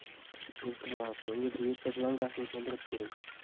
iltimos menga buyurtma blankasini to'ldirib bering